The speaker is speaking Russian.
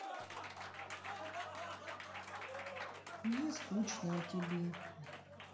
мне скучно о тебе